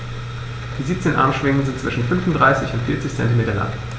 Die 17 Armschwingen sind zwischen 35 und 40 cm lang.